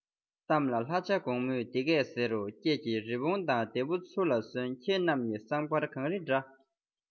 གཏམ ལ ལྷ བྱ གོང མོས འདི སྐད ཟེར རོ ཀྱེ ཀྱེ རི བོང དང དེ ཕོ ཚུར ལ གསོན ཁྱེད རྣམས གཉིས བསམ དཀར གངས རི འདྲ